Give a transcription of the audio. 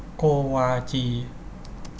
โกวาจี